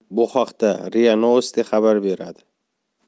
bu haqda ria novosti xabar berdi